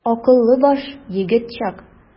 Акыллы баш, егет чак.